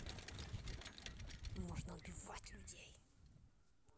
можно убивать людей